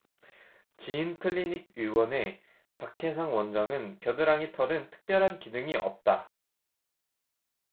지인클리닉의원의 박해상 원장은 겨드랑이 털은 특별한 기능이 없다